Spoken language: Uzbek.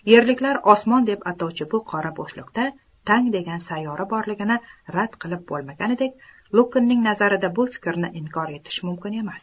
yerliklar osmon deb atovchi bu qora bo'shliqda tang degan sayyora borligini rad qilib bo'lmaganidek lukn ning nazarida bu fikrini inkor etish mumkin emas